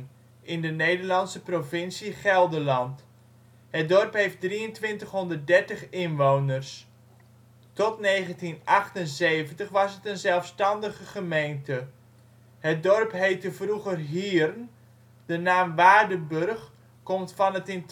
in de Nederlandse provincie Gelderland. Het dorp heeft 2330 inwoners (2005). Tot 1978 was het een zelfstandige gemeente. Het dorp heette vroeger Hiern, de naam Waardenburg komt van het in